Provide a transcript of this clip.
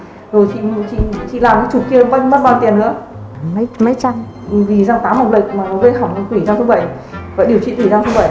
chị làm cái chụp kia mất bao nhiêu tiền nữa mất mấy trăm vì răng mọc lệch gây hỏng tủy răng số nên phải điều trị tủy răng số